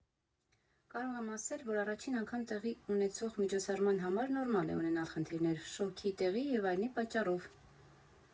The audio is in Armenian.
Կարող եմ ասել, որ առաջին անգամ տեղի ունեցող միջոցառման համար նորմալ է ունենալ խնդիրներ՝ շոգի, տեղի և այլնի պատճառով։